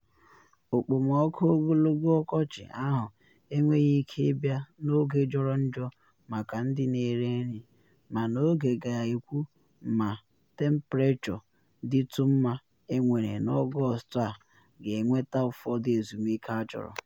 Okpomọkụ ogologo ọkọchị ahụ enweghị ike ịbịa n’oge jọrọ njọ maka ndị na ere nri, mana oge ga-ekwu ma temprechọ dịtụ mma enwere na Ọgọst a ga-eweta ụfọdụ ezumike achọrọ.”